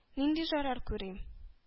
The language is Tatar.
— нинди зарар күрим?